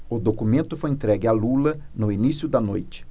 o documento foi entregue a lula no início da noite